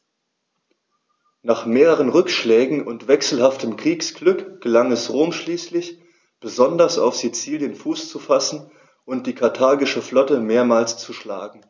Nach mehreren Rückschlägen und wechselhaftem Kriegsglück gelang es Rom schließlich, besonders auf Sizilien Fuß zu fassen und die karthagische Flotte mehrmals zu schlagen.